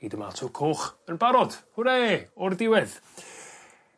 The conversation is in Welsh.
i domato coch yn barod hwrê! O'r diwedd.